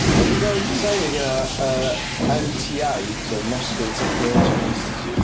Mae 'di cael ei diseinio genna, yy, MTI, sef Moscow Technological Institute.